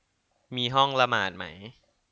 มีห้องละหมาดไหม